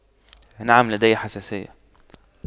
نعم لدي حساسية